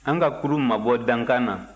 an ka kurun mabɔ dankan na